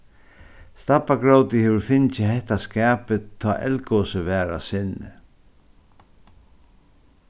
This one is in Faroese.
stabbagrótið hevur fingið hetta skapið tá eldgosið var á sinni